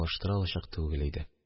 Алыштыра алачак түгел иде